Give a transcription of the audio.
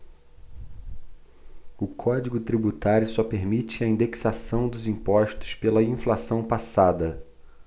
o código tributário só permite a indexação dos impostos pela inflação passada